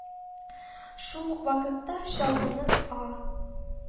Шул ук вакытта Чаллының А